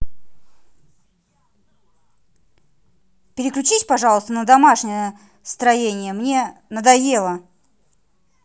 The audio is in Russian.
переключись пожалуйста на домашнее строение мне надоело